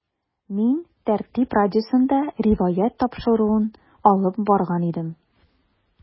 “мин “тәртип” радиосында “риваять” тапшыруын алып барган идем.